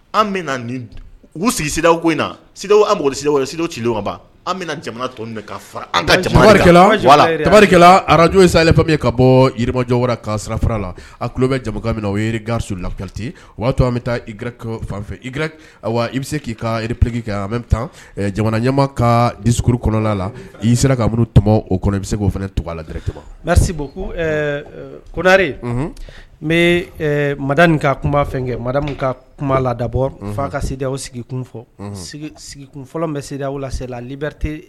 An bɛna nin u sigi ko in na s ansi s ci an bɛna jamanari araj sa ka bɔmajɔ ka sirafa la a tulolo bɛ jamu min o gariso lati o y'a to an bɛ taa fan i bɛ se k'i kaki an taa jamana ɲɛma ka surukuru kɔnɔna la i sera'muru tɔmɔ o kɔnɔ bɛ se k'o fana to laɛrɛbo konare n bɛ mada min ka kunba fɛ kɛ mada min ka kuma ladabɔ fa ka seda o sigi kun fɔ sigi fɔlɔ bɛ se lasela libirite